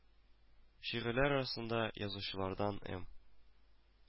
Шигырьләр арасында язучылардан эМ